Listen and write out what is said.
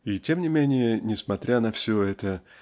И тем не менее, несмотря, на всЁ это